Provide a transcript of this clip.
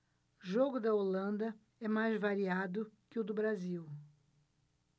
jogo da holanda é mais variado que o do brasil